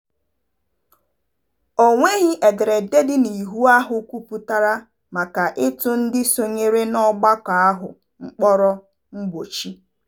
Ọ nweghị ederede dị n'iwu ahụ kwuputara maka ịtụ ndị sonyere na ọgbakọ ahụ mkpọrọ mgbochi.